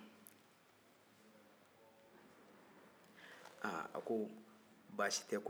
aa a ko basi tɛ ko nin ye tiɲɛ ye tiɲɛ fɔra sisan